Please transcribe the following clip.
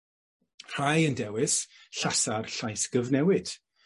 Rhai yn dewis Llasar Llaes Gyfnewid.